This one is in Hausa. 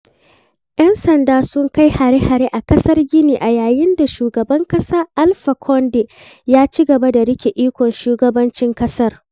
Yan sanda sun kai hare-hare a ƙasar Gini a yayin da Shugaban ƙasa Alpha Conde ya cigaba da riƙe ikon shugabancin ƙasar.